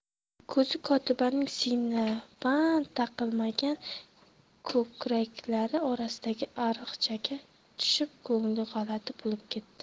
ko'zi kotibaning siynaband taqilmagan ko'kraklari orasidagi ariqchaga tushib ko'ngli g'alati bo'lib ketdi